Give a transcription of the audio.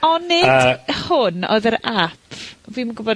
On' nid... Yy. ...hwn odd yr ap, fi'm yn gwbod...